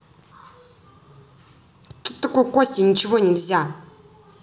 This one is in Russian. кто такой костя ничего нельзя